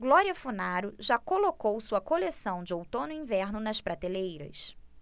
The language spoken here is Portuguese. glória funaro já colocou sua coleção de outono-inverno nas prateleiras